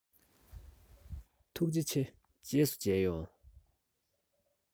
ཐུགས རྗེ ཆེ རྗེས སུ མཇལ ཡོང